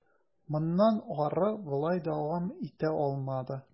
Моннан ары болай дәвам итә алмады.